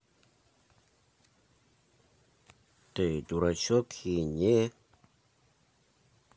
ты дурачок и не